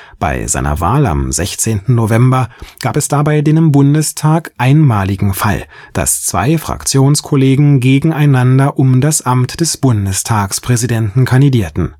Bei seiner Wahl am 16. November gab es dabei den im Bundestag einmaligen Fall, dass zwei Fraktionskollegen gegeneinander um das Amt des Bundestagspräsidenten kandidierten